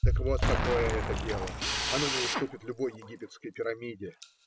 Так вот какое это дело; оно не уступит любой египетской пирамиде.